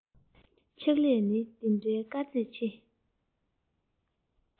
ཕྱག ལས ནི འདི འདྲའི དཀའ ཚེགས ཆེ